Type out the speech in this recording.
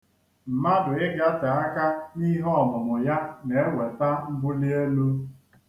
Mmadụ ịgate aka n'ihe ọmụmụ ya na-eweta mbuli elu.